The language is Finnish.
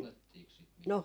no huudettiinkos sitä mitään